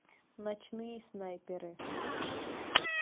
ночные снайперы